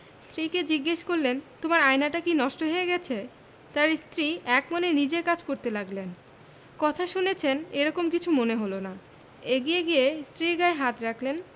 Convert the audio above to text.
স্ত্রীকে জিজ্ঞেস করলেন তোমার আয়নাটা কি নষ্ট হয়ে গেছে তাঁর স্ত্রী একমনে নিজের কাজ করতে লাগলেন কথা শুনেছেন এ রকম কিছু মনে হলো না এগিয়ে গিয়ে স্ত্রীর গায়ে হাত রাখলেন